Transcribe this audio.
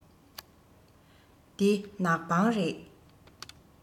འདི ནག པང རེད